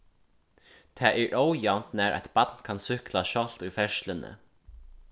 tað er ójavnt nær eitt barn kann súkkla sjálvt í ferðsluni